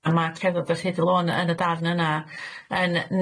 a ma' cerddad ar hyd y Lôn yn y darn yna yn